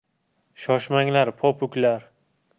shoshmanglar popuklar